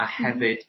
a hefyd